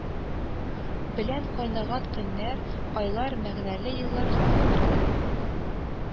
Белән кайнаган көннәр, айлар мәгънәле елларга әверелә